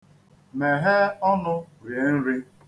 Mehee ọnụ rie nri.